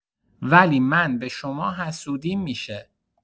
ولی من به شما حسودیم می‌شه